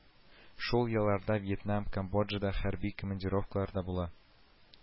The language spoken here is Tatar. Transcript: Шул елларда Вьетнам, Камбоджада хәрби командировкаларда була